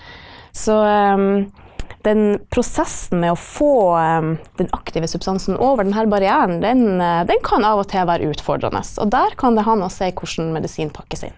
så den prosessen med å få den aktive substansen over den her barrieren den den kan av og til være utfordrende, og der kan det ha noe å si hvordan medisin pakkes inn.